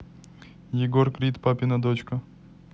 егор крид папина дочка